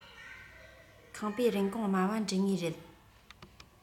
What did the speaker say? ཁང པའི རིན གོང དམའ བ འདྲུད ངེས རེད